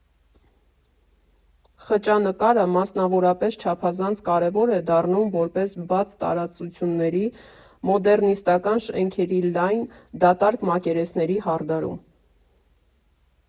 Խճանկարը, մասնավորապես, չափազանց կարևոր է դառնում որպես բաց տարածությունների, մոդեռնիստական շենքերի լայն, դատարկ մակերեսների հարդարում։